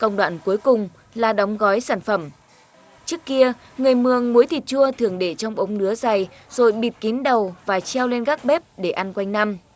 công đoạn cuối cùng là đóng gói sản phẩm trước kia người mường muối thịt chua thường để trong ống nứa dày rồi bịt kín đầu và treo lên gác bếp để ăn quanh năm